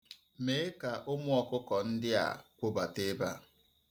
Mee ka ụmụ ọkụkọ ndị a kwobata ebe a.